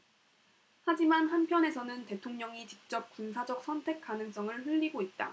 하지만 한편에서는 대통령이 직접 군사적 선택 가능성을 흘리고 있다